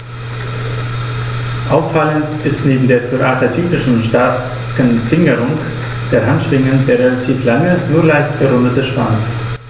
Auffallend ist neben der für Adler typischen starken Fingerung der Handschwingen der relativ lange, nur leicht gerundete Schwanz.